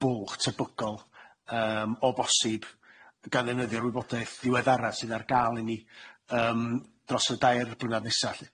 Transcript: bwlch tebygol yym o bosib gan ddefnyddio'r wybodaeth ddiweddara sydd ar gal i ni yym dros y dair blynadd nesa 'lly.